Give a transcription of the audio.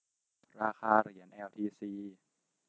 ราคาเหรียญแอลทีซี